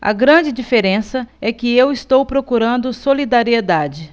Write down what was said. a grande diferença é que eu estou procurando solidariedade